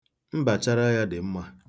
Mbachara ya dị mma.